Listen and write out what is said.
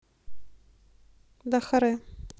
да харе